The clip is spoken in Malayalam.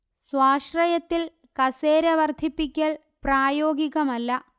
സ്വാശ്രയത്തിൽ കസേര വർധിപ്പിക്കൽ പ്രായോഗികമല്ല